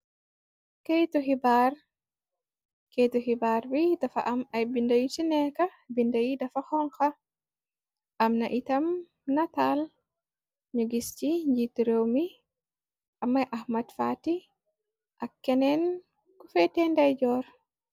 Keytu xibaar keytu xibaar bi dafa am ay binde yu ci neeka binda yi dafa xonka amna itam nataal ñu gis ci njiitu réew mi amay ax matfaati ak keneen ku feeteenday joor.